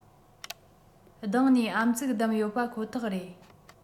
སྡང ནས ཨམ གཙིགས བསྡམས ཡོད པ ཁོ ཐག རེད